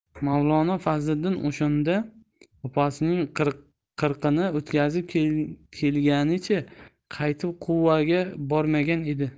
mavlono fazliddin o'shanda opasining qirqini o'tkazib kelganicha qaytib quvaga bormagan edi